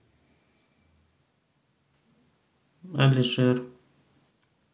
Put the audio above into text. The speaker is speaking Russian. алишер